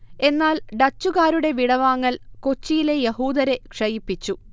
എന്നാൽ ഡച്ചുകാരുടെ വിടവാങ്ങൽ കൊച്ചിയിലെ യഹൂദരെ ക്ഷയിപ്പിച്ചു